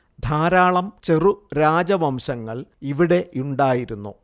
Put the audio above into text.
ധാരാളം ചെറു രാജവംശങ്ങൾ ഇവിടെയുണ്ടായിരുന്നു